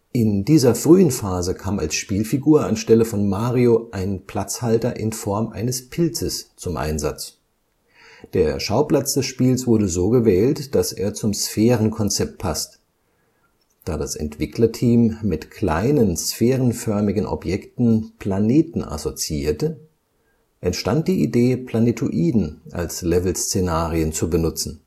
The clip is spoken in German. In dieser frühen Phase kam als Spielfigur anstelle von Mario ein Platzhalter in Form eines Pilzes zum Einsatz. Der Schauplatz des Spiels wurde so gewählt, dass er zum Sphärenkonzept passt. Da das Entwicklerteam mit kleinen, sphärenförmigen Objekten Planeten assoziierte, entstand die Idee, Planetoiden als Levelszenerien zu benutzen